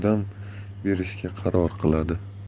yordam berishga qaror qiladi